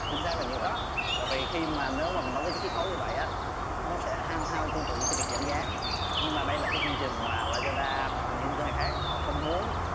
chính xác là như vậy tại vì khi mà nếu mà mình nói cái chiết khấu như vậy á nó sẽ hao hao tương tự như việc giảm giá nhưng mà đây là cái chương trình là la da đa hoặc nhữngcửa hàng khác khác họ không muốn